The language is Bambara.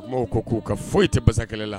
Kuma ko k'u ka foyi tɛ pasa kɛlɛ la